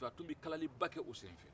a tun bɛ kalaliba kɛ o senfɛ